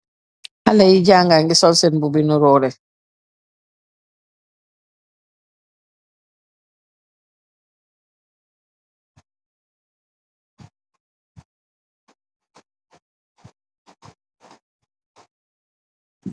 Xalèh yi janga ngi sol sèèn yirèh niroleh.